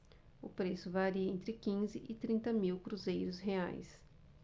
o preço varia entre quinze e trinta mil cruzeiros reais